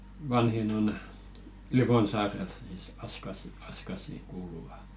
vanhin on Livonsaarella sitten Askaisiin Askaisiin kuuluvat